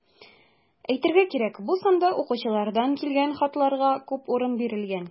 Әйтергә кирәк, бу санда укучылардан килгән хатларга күп урын бирелгән.